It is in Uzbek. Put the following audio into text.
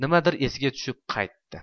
nimadir esiga tushib qaytdi da